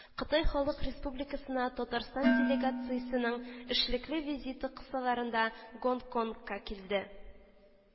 Кытай Халык Республикасына Татарстан делегациясенең эшлекле визиты кысаларында, Гонконгка килде